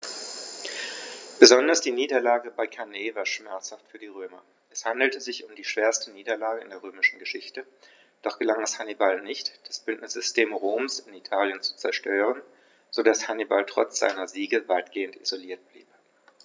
Besonders die Niederlage bei Cannae war schmerzhaft für die Römer: Es handelte sich um die schwerste Niederlage in der römischen Geschichte, doch gelang es Hannibal nicht, das Bündnissystem Roms in Italien zu zerstören, sodass Hannibal trotz seiner Siege weitgehend isoliert blieb.